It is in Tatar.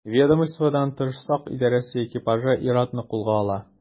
Ведомстводан тыш сак идарәсе экипажы ир-атны кулга ала.